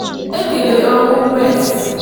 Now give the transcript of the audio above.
Ekele ọrụ MEX!